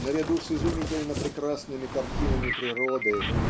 наряду с изумительно прекрасными картинами природы